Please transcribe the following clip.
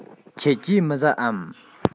ཁྱེད ཀྱིས མི ཟ འམ